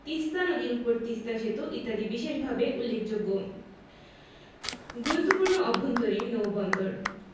তিস্তা নদীর উপর তিস্তা সেতু ইত্যাদি বিশেষভাবে উল্লেখযোগ্য গুরুত্বপূর্ণ অভ্যন্তরীণ নৌবন্দর